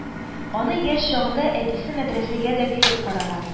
Аны яшь чагында әтисе мәдрәсәгә дә биреп караган